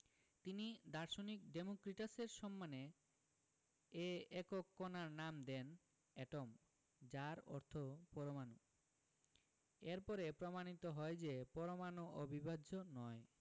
তিনি দার্শনিক ডেমোক্রিটাসের সম্মানে এ একক কণার নাম দেন এটম যার অর্থ পরমাণু এর পরে প্রমাণিত হয় যে পরমাণু অবিভাজ্য নয়